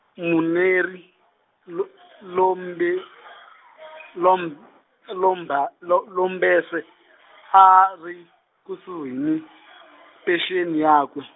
Muneri Lo- Lombe- Lom- Lomba- Lo- Lomberse a ri, kusuhi ni, phenxeni yakwe.